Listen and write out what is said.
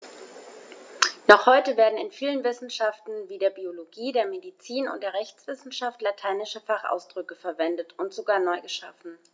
Noch heute werden in vielen Wissenschaften wie der Biologie, der Medizin und der Rechtswissenschaft lateinische Fachausdrücke verwendet und sogar neu geschaffen.